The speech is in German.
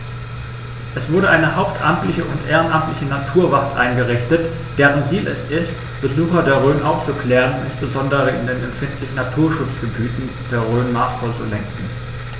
Es wurde eine hauptamtliche und ehrenamtliche Naturwacht eingerichtet, deren Ziel es ist, Besucher der Rhön aufzuklären und insbesondere in den empfindlichen Naturschutzgebieten der Rhön maßvoll zu lenken.